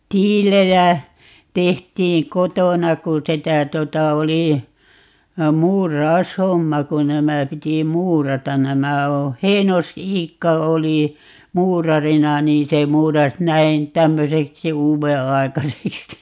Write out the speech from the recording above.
tiiliä tehtiin kotona kun sitä tuota oli muuraushomma kun nämä piti muurata nämä on Heinos-Iikka oli muurarina niin se muurasi näin tämmöiseksi uudenaikaiseksi